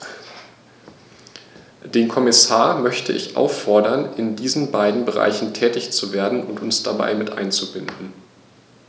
Den Kommissar möchte ich auffordern, in diesen beiden Bereichen tätig zu werden und uns dabei mit einzubinden.